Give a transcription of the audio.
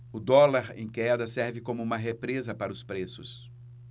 o dólar em queda serve como uma represa para os preços